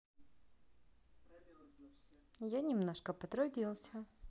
я немножко потрудился